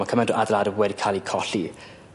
Ma' cymaint o adeilade wedi ca'l 'u colli.